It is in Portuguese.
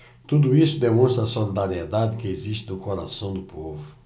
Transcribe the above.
tudo isso demonstra a solidariedade que existe no coração do povo